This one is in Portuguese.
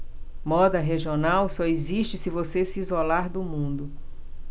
moda regional só existe se você se isolar do mundo